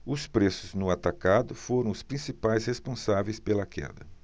os preços no atacado foram os principais responsáveis pela queda